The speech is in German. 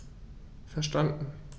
Verstanden.